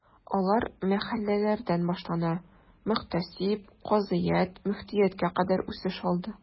Алар мәхәлләләрдән башлана, мөхтәсиб, казыят, мөфтияткә кадәр үсеш алды.